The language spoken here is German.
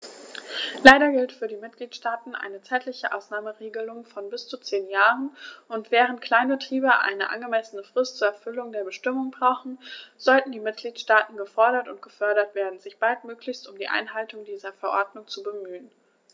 Leider gilt für die Mitgliedstaaten eine zeitliche Ausnahmeregelung von bis zu zehn Jahren, und, während Kleinbetriebe eine angemessene Frist zur Erfüllung der Bestimmungen brauchen, sollten die Mitgliedstaaten gefordert und gefördert werden, sich baldmöglichst um die Einhaltung dieser Verordnung zu bemühen.